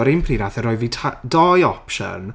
ar yn pryd wnaeth e rhoi fi tai- doi opsiwn...